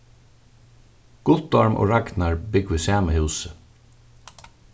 guttorm og ragnar búgva í sama húsi